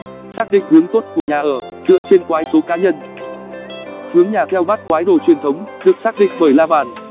xác định hướng tốt của nhà ở dựa trên quái số cá nhân hướng nhà theo bát quái đồ truyền thống được xác định bởi la bàn